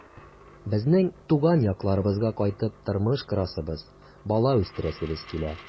Безнең туган якларыбызга кайтып тормыш корасыбыз, бала үстерәсебез килә.